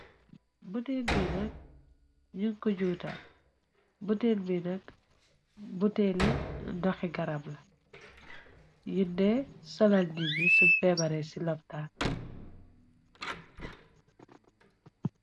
Boteel bi nak nyung ko juutaal boteel binak buteene doxe garab la yundee solal nit yi sün febare ci lapital.